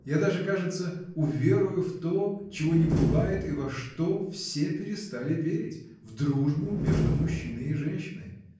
Я даже, кажется, уверую в то, чего не бывает и во что все перестали верить, — в дружбу между мужчиной и женщиной.